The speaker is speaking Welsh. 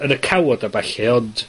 yn y cawod a ballu, ond